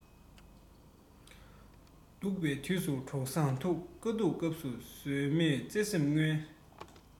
སྡུག པའི དུས སུ གྲོགས བཟང ཐུག དཀའ སྡུག སྐབས སུ ཟོལ མེད བརྩེ སེམས མངོན